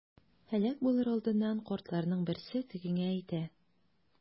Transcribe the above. Һәлак булыр алдыннан картларның берсе тегеңә әйтә.